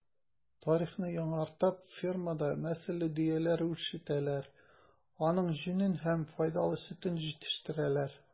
Тарихны яңартып фермада нәселле дөяләр үчретәләр, аның йонын һәм файдалы сөтен җитештерәләр.